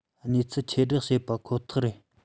གནས ཚུལ ཁྱབ བསྒྲགས བྱས པ ཁོ ཐག རེད